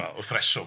O wrth reswm.